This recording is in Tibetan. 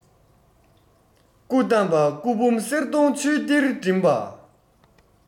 སྐུ གཏམས པ སྐུ འབུམ གསེར སྡོང ཆོས སྡེར འགྲིམས པ